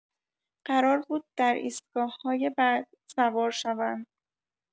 قرار بود در ایستگاهای بعد سوار شوند.